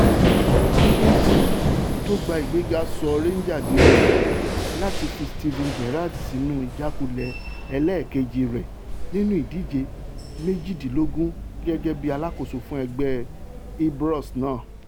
Livingston tó gba ìgbéga sọ Ranger di òmùgọ̀ láti fi Steven Gerrard sínù ìjákulẹ̀ ẹlẹ́ẹ̀keji rẹ nínú ìdíje méjìdínlógún gẹ́gẹ́ bí alákosó fún ẹgbẹ́ Ibrox náà.